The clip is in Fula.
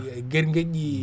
guergueƴƴii